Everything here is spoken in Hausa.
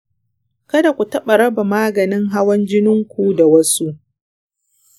kada ku taɓa raba maganin hawan jinin ku da wasu.